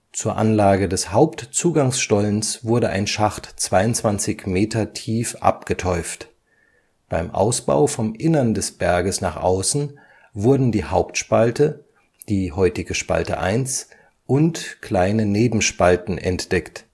Zur Anlage des Hauptzugangsstollens wurde ein Schacht 22 Meter tief abgeteuft. Beim Ausbau vom Inneren des Berges nach außen wurden die Hauptspalte, die heutige Spalte 1, und kleine Nebenspalten entdeckt